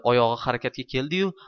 oyog'i harakatga keldi yu